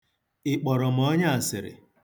Ịkpọrọ m onyeasịrị?